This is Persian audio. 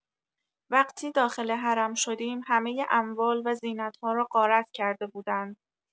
وقتی داخل حرم شدیم، همۀ اموال و زینت‌ها را غارت کرده بودند.